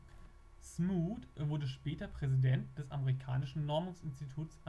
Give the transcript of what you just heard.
Smoot wurde später Präsident des amerikanischen Normungsinstituts